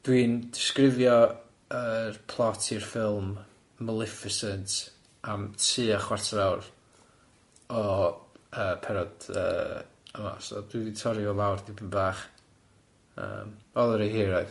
Dw i'n disgrifio yr plot i'r ffilm Maleficent am tua chwarter awr o yy pennod yy yma so dw i 'di torri o lawr dipyn bach, yym, o'dd o reit hir oedd?